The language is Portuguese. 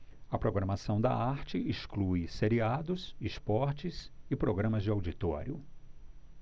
a programação da arte exclui seriados esportes e programas de auditório